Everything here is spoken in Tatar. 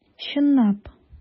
Чынлап!